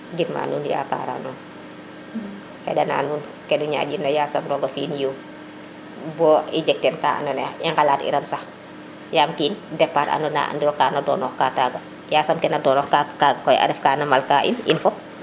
gid ma nuun yakara nuun xaɗa na nuun kenu ñaɗiɗ na yasam roga fi in yiiw bo i jeg teen ka ando naye i ŋalaat iran sax yam kin depart ando nda andiro kana donoox ka taga yasam ke na donox ka taga koy a ref ka na malka in in fop